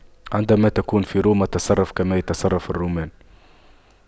عندما تكون في روما تصرف كما يتصرف الرومان